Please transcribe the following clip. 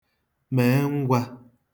mèe ngwā